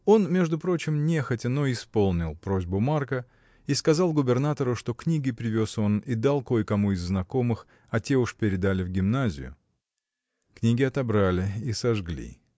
Он, между прочим, нехотя, но исполнил просьбу Марка и сказал губернатору, что книги привез он и дал кое-кому из знакомых, а те уж передали в гимназию. Книги отобрали и сожгли.